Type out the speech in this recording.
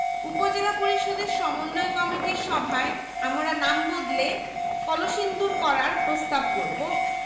উপজেলা পরিষদের সমন্বয় কমিটির সভায় আমরা নাম বদলে কলসিন্দুর করার প্রস্তাব করব